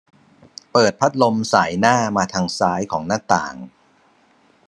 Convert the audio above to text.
เปิดพัดลมส่ายหน้ามาทางซ้ายของหน้าต่าง